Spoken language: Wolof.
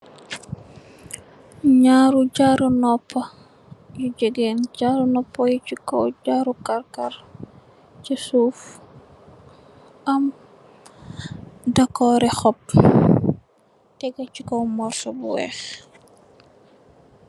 Nyaaru jaaru noppu, yu jigeen, jaaru noppu yi ci kaw, jaaru xarxar, si suuf, am decori xob, tege si kaw morso bu weex.